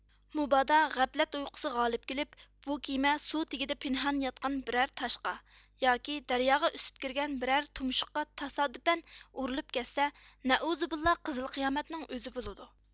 مۇبادا غەپلەت ئۇيقۇسى غالىپ كېلىپ بۇ كېمە سۇ تېگىدە پىنھان ياتقان بىرەر تاشقا ياكى دەرياغا ئۈسۈپ كىرگەن بىرەر تۇمشۇققا تاسادىپەن ئۇرۇلۇپ كەتسە نەئۇزۇبىللا قىزىل قىيامەتنىڭ ئۆزى بولىدۇ